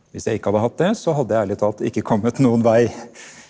hvis jeg ikke hadde hatt det så hadde jeg ærlig talt ikke kommet noen vei.